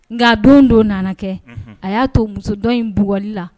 Nka don don nana kɛ a y'a to musodɔn in bugli la